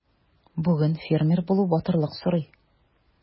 Бүген фермер булу батырлык сорый.